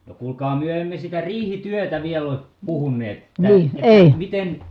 no kuulkaa me emme sitä riihityötä vielä ole puhuneet että että miten